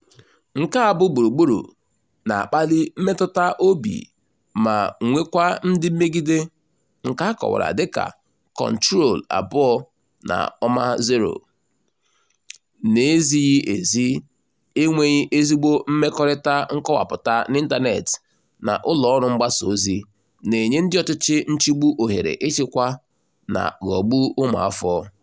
Nke a bụ gburugburu na-akpali mmetụta obi ma nwekwa ndị mmegide, nke a kọwara dịka "Control 2.0": "... N'ezighị ezi, enweghị ezigbo mmekọrịta nkọwapụta n'ịntanetị na ụlọọrụ mgbasaozi, na-enye ndị ọchịchị nchịgbụ ohere ịchịkwa na ghọgbụ ụmụafọ."